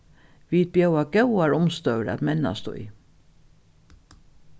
vit bjóða góðar umstøður at mennast í